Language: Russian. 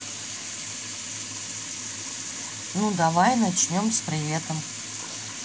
ну давай начнем с приветом